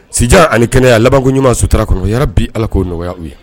Sija ani kɛnɛyaya labankoɲumanmaa suturara kɔnɔya bi ala koo nɔgɔyaw ye